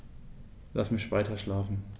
Lass mich weiterschlafen.